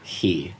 Hi.